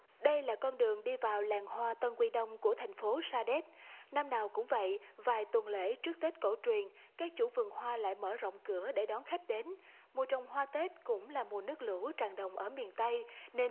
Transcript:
đây là con đường đi vào làng hoa tân quy đông của thành phố sa đéc năm nào cũng vậy vài tuần lễ trước tết cổ truyền các chủ vườn hoa lại mở rộng cửa để đón khách đến mua trồng hoa tết cũng là mùa nước lũ tràn đồng ở miền tây nên